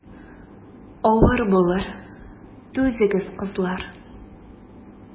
Авыр булыр, түзегез, кызлар.